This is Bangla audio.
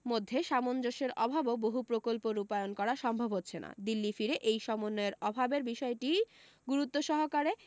মধ্যে সামঞ্জস্যের অভাবেও বহু প্রকল্প রূপায়ণ করা সম্ভব হচ্ছে না দিল্লী ফিরে এই সমন্বয়ের অভাবের বিষয়টিই গুরুত্ব সহকারে